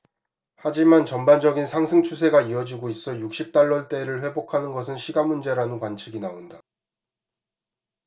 하지만 전반적인 상승 추세가 이어지고 있어 육십 달러대를 회복하는 것은 시간문제라는 관측이 나온다